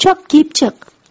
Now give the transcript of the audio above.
chop kiyib chiq